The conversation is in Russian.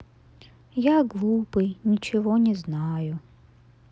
я глупые ничего не знаю